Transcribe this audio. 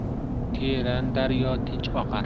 teran daryo tinch oqar